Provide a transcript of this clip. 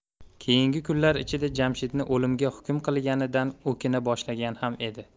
keyingi kunlar ichi jamshidni o'limga hukm qilganidan o'kina boshlagan ham edi